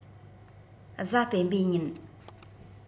གཟའ སྤེན པའི ཉིན